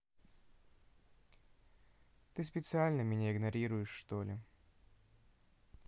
ты специально меня игнорирует что ли